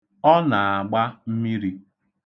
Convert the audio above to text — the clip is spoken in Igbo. Ọ na-agba mmiri.